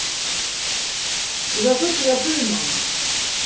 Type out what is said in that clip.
eg varð føddur í aprílmánað